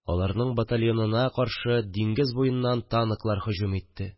Аларның батальонына каршы диңгез буеннан танклар һөҗүм итте